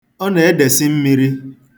Ọ na-edesị mmiri.